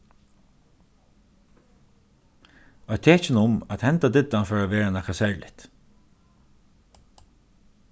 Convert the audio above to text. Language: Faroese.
eitt tekin um at hendan diddan fór at vera nakað serligt